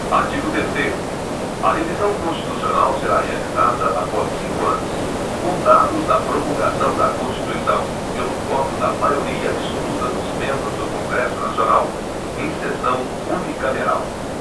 artigo terceiro a revisão constitucional será realizada após cinco anos contados da promulgação da constituição pelo voto da maioria absoluta dos membros do congresso nacional em sessão unicameral